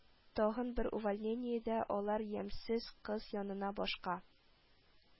Тагын бер увольнениедә алар ямьсез кыз янына башка